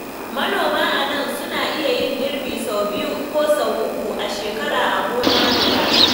Manoma a nan suna iya yin girbi sau biyu ko uku a shekara a gona guda.